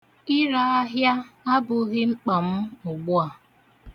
Ire ahịa abụghị mkpa m ugbu a.